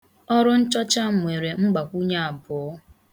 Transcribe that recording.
Ọrụ nchọcha m nwere mgbakwụnye abụọ.